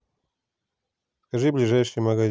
скажи ближайший магазин